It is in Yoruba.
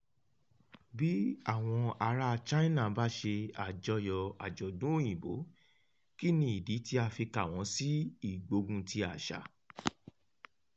Bí àwọn aráa China bá ṣe àjọyọ̀ àjọ̀dún Òyìnbó, kí ni ìdí tí a fi kà wọ́n sí ìgbógunti àṣà?